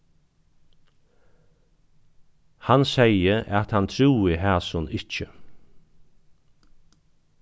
hann segði at hann trúði hasum ikki